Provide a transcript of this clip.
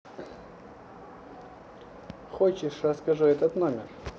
хочешь расскажу этот номер